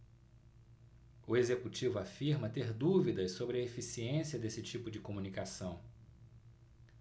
o executivo afirma ter dúvidas sobre a eficiência desse tipo de comunicação